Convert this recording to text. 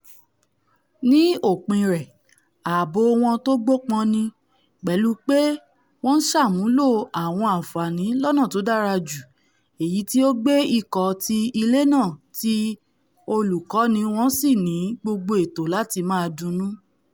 Ní òpin rẹ̀, ààbò wọn tógbópọn ni, pẹ̀lú pé wọ́n ńṣàmúlò àwọn àǹfààní lọ́ná tódára jù, èyití ó gbé ikọ̀ ti ilé náà tí olùkọ́ni wọn sì ní gbogbo ẹ̀tọ́ láti máa dunnú.